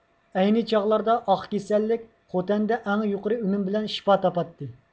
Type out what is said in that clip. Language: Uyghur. ئەينى چاغلاردا ئاق كېسەللىك خوتەندە ئەڭ يۇقىرى ئۈنۈم بىلەن شىپا تاپاتتى